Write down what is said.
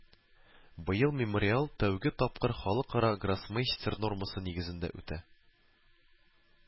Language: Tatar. Быел Мемориал тәүге тапкыр халыкара гроссмейстер нормасы нигезендә үтә